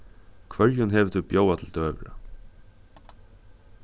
hvørjum hevur tú bjóðað til døgurða